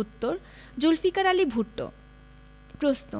উত্তরঃ জুলফিকার আলী ভুট্ট প্রশ্ন